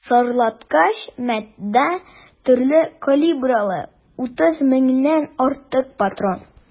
Шартлаткыч матдә, төрле калибрлы 3 меңнән артык патрон.